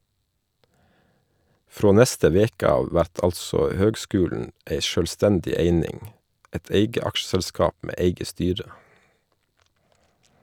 Frå neste veke av vert altså høgskulen ei sjølvstendig eining, eit eige aksjeselskap med eige styre.